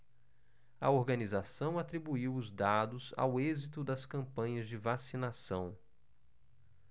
a organização atribuiu os dados ao êxito das campanhas de vacinação